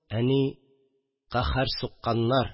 Әни: «каһәр сукканнар